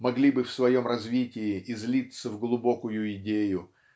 могли бы в своем развитии излиться в глубокую идею